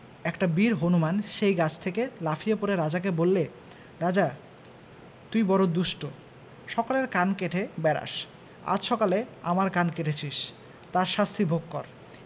একটা বীর হনুমান সেই গাছ থেকে লাফিয়ে পড়ে রাজাকে বললে রাজা তুই বড়ো দুষ্ট সকলের কান কেটে বেড়াস আজ সকালে আমার কান কেটেছিস তার শাস্তি ভোগ কর